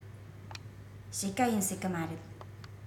དཔྱིད ཀ ཡིན སྲིད གི མ རེད